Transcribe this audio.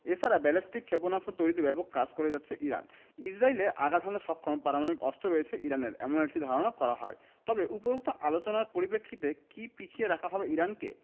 এ ছাড়া ব্যালিস্টিক ক্ষেপণাস্ত্র তৈরিতে ব্যাপক কাজ করে যাচ্ছে ইরান ইসরায়েলে আঘাত হানতে সক্ষম পারমাণবিক অস্ত্র রয়েছে ইরানের এমন একটি ধারণা করা হয় তবে উপরোক্ত আলোচনার পরিপ্রেক্ষিতে কি পিছিয়ে রাখা হবে ইরানকে